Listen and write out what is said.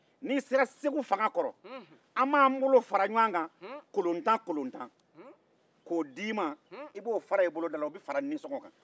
n'i sera segu fanga kɔrɔ an b'an bolo fara ɲɔgɔn kan kolon tan kolon tan k'o d'i ma o bɛ fara disɔngɔ kan